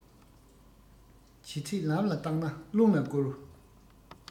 བྱས ཚད ལམ ལ བཏང ན རླུང ལ བསྐུར